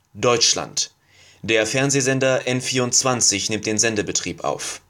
Deutschland: Der Fernsehsender N24 nimmt den Sendebetrieb auf